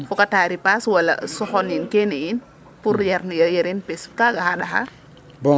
fokata ripaas wala soxoniin kene yiin pour yer yerin pis kaga xa ɗaxa